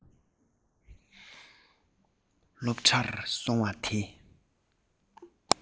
སློབ གྲྭར སོང བ དེ